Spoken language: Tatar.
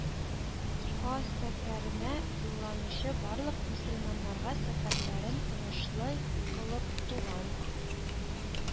Ха сәфәренә юлланучы барлык мөселманнарга сәфәрләрен уңышлы кылып, туган